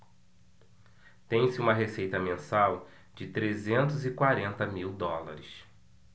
tem-se uma receita mensal de trezentos e quarenta mil dólares